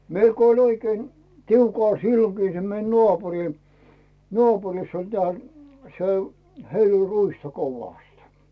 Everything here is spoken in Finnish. meillä kun oli oikein tiukalla silloinkin se meidän naapuri naapurissa oli tämä se heillä oli ruista kovasti